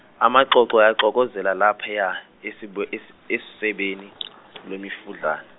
amaxoxo ayaxokozela laphaya esibo- es- esebeni lwemifudlana.